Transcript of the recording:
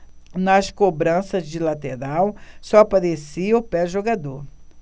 nas cobranças de lateral só aparecia o pé do jogador